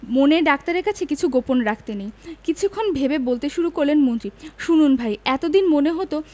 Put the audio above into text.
মনের ডাক্তারের কাছে কিছু গোপন রাখতে নেই কিছুক্ষণ ভেবে বলতে শুরু করলেন মন্ত্রী শুনুন ভাই এত দিন মনে হতো